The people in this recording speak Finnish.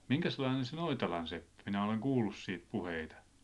minkäslainen se Noitalan seppä minä olen kuullut siitä puheita